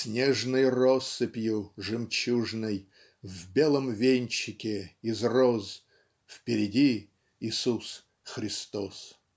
Снежной россыпью жемчужной В белом венчике из роз Впереди Исус Христос.